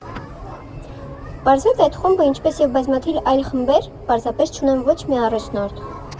Պարզվեց, այդ խումբը, ինչպես և բազմաթիվ այլ խմբեր, պարզապես չուներ ոչ մի առաջնորդ։